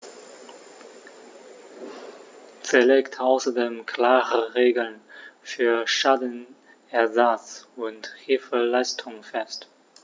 Sie legt außerdem klare Regeln für Schadenersatz und Hilfeleistung fest.